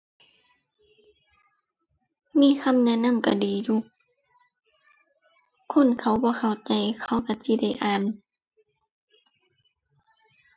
มีคำแนะนำก็ดีอยู่ คนเขาบ่เข้าใจเขาก็สิได้อ่าน